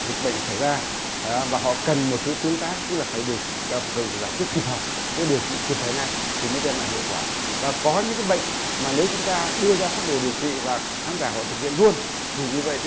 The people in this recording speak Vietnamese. dịch bệnh xảy ra và họ cần một sự tương tác tức là phải điều chỉnh cập về giải quyết kịp thời điều trị kịp thời ngay thì mới đem lại hiệu quả và có những bệnh mà nếu chúng ta đưa ra phác đồ điều trị và khán giả họ thực hiện luôn thì như vậy